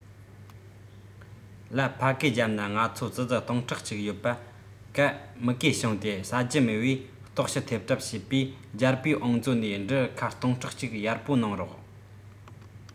ལ ཕ གིའི རྒྱབ ན ང ཚོ ཙི ཙི སྟིང ཕྲག གཅིག ཡོད པ ག མུ གེ བྱུང སྟེ ཟ རྒྱུ མེད བས ལྟོགས ཤི ཐེབས གྲབས བྱེད པས རྒྱལ པོའི བང མཛོད ནས འབྲུ ཁལ སྟོང ཕྲག གཅིག གཡར པོ གནང རོགས